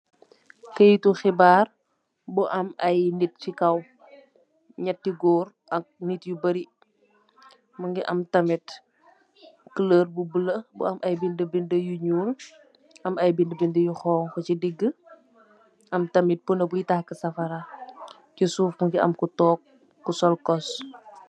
Keitu khibarr bu am aiiy nitt chi kaw, njehti gorre ak nitt yu bari, mungy am tamit couleur bu bleu bu am aiiy bindu bindu yu njull, am aiiy bindu bindu yu honhu chi digah, am tamit pohnoh bui taaku safara, cii suff mungy am ku tok ku sol cos.